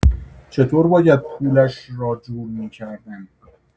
چطور باید پولش را جور می‌کردم.